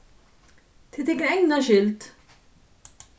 tað er tykra egna skyld